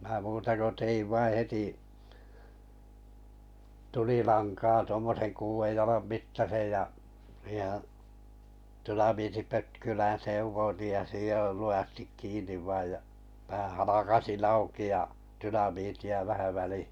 minä muuta kuin tein vain heti tulilankaa tuommoisen kuuden jalan mittaisen ja siihenhän dynamiittipötkylän sekoitin ja sidoin lujasti kiinni vain ja pään halkaisin auki ja dynamiittia vähän väliin